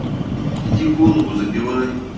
иди голову забивай